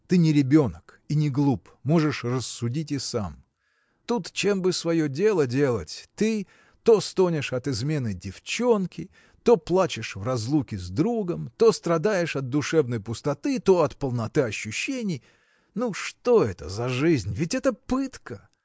Ты не ребенок и не глуп: можешь рассудить и сам. Тут чем бы свое дело делать ты – то стонешь от измены девчонки то плачешь в разлуке с другом то страдаешь от душевной пустоты то от полноты ощущений ну что это за жизнь? Ведь это пытка!